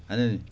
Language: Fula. anani